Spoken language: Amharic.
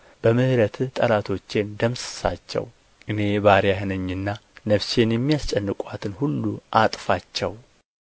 በምሕረትህ ጠላቶቼን ደምስሳቸው እኔ ባሪያህ ነኝና ነፍሴን የሚያስጨንቁአትን ሁሉ አጥፋቸው